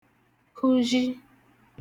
kụzhi